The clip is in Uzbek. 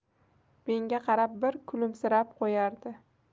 menga qarab bir kulimsirab qo'yardi